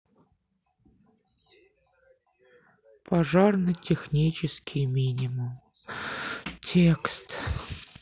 пожарно технический минимум текст